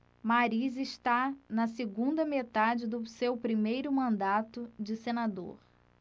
mariz está na segunda metade do seu primeiro mandato de senador